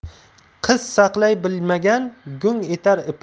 qiz saqlay bilmagan gung etar